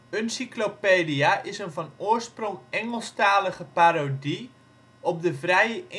Uncyclopedia is een van oorsprong Engelstalige parodie op de vrije